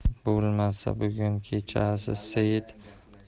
bo'lmasa bugun kechasi